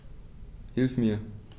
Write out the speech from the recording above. Hilf mir!